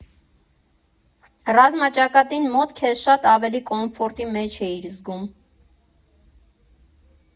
Ռազմաճակատին մոտ քեզ շատ ավելի կոմֆորտի մեջ էիր զգում։